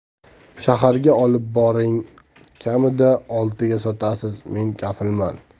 shaharga olib boring kamida oltiga sotasiz men kafilman